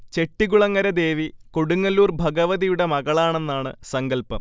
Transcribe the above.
ചെട്ടികുളങ്ങര ദേവി കൊടുങ്ങല്ലൂർ ഭഗവതിയുടെ മകളാണെന്നാണ് സങ്കല്പം